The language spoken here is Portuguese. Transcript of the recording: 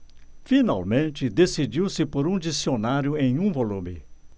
finalmente decidiu-se por um dicionário em um volume